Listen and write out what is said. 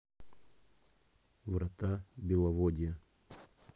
врата беловодья